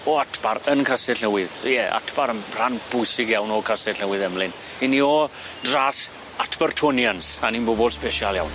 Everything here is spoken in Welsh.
o Atbar yn Castell Newydd ie Atbar yn rhan bwysig iawn o Castell Newydd Emlyn 'yn ni o dras Atbartonians a ni'n bobol sbesial iawn.